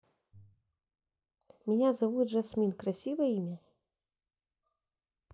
меня зовут жасмин красивое имя